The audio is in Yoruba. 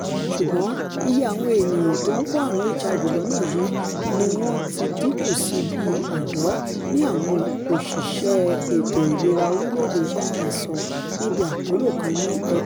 Ṣùgbọn iye àwọn ènìyàn tó ńkó ààrùn HIV lọ́nà yìí ni wọ́n ti dínkù sí bíi òdo, ni àwọn òṣìṣẹ́ ètò ìlera orílẹ̀-èdè Ṣáínà sọ níbi àpérò kan ni ẹkùn Yunnan.